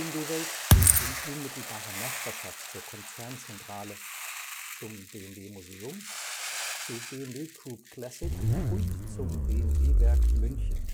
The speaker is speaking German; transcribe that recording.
BMW Welt steht in unmittelbarer Nachbarschaft zur Konzernzentrale, zum BMW Museum, zu BMW Group Classic und zum BMW-Werk München